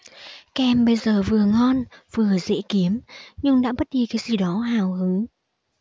kem bây giờ vừa ngon vừa dễ kiếm nhưng đã mất đi cái gì đó hào hứng